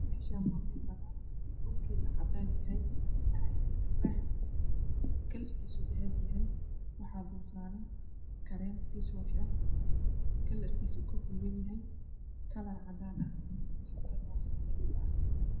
Meshan waa mel banan ah oo dhulka cadan ah waxa alwax kalarka dahbi ah waxa dulsaran karen oo fishifoshi kalarkis kakobanyahay kalar cadan ah sidokale waa furmadow ah